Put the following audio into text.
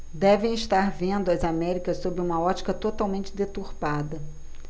devem estar vendo as américas sob uma ótica totalmente deturpada